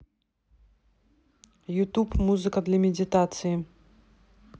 ютуб музыка для медитации